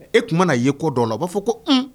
E tunumana na'i ko dɔn o b'a fɔ ko h